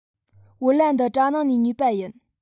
བོད ལྭ འདི གྲ ནང ནས ཉོས པ ཡིན